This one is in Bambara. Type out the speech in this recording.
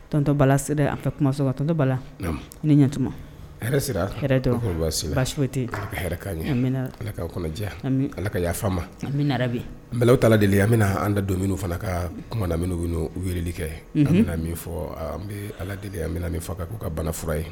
Tɔntɔ bala an fɛ kumaso ka tɔntɔ bala ne ɲɛtuma a ɲɛ ala ka kɔnɔ diya ala ka ya fa ma an bɛbi ta deli an bɛna na an don min fana ka kumada u wele kɛ an bɛna min fɔ an bɛ ala deli min fa k'u ka bana fura ye